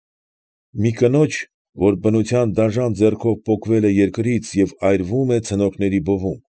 Մի կնոջ, որ բնության դաժան ձեռքով պոկվել է երկրից և այրվում է ցնորքների բովում։